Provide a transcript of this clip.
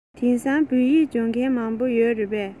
དེང སང བོད ཡིག སྦྱོང མཁན མང པོ ཡོད རེད པས